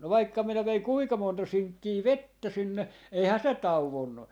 no vaikka minä vein kuinka monta sinkkiä vettä sinne eihän se tauonnut